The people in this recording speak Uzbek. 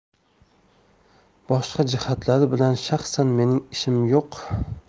boshqa jihatlari bilan shaxsan mening ishim yo'q